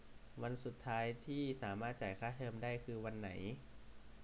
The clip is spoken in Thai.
วันสุดท้ายที่สามารถจ่ายค่าเทอมได้คือวันไหน